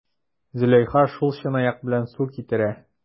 Зөләйха шул чынаяк белән су китерә.